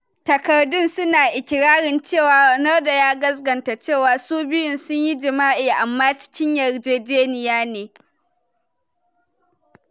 Takardun su na ikirari cewa Ronaldo ya gasganta cewa su biyun sun yi jima’i, amma cikin yarjejeniya ne.